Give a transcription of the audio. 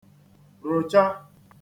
ròcha